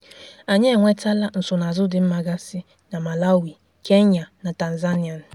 PG: Anyị enwetala nsonazụ dị mma gasị na Malawi, Kenya na Tazania.